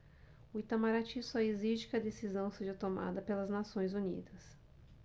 o itamaraty só exige que a decisão seja tomada pelas nações unidas